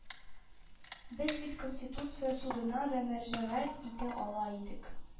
"без бит конституция судына да мөрәҗәгать итә ала идек